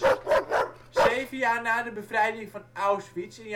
Zeven jaar na de bevrijding van Auschwitz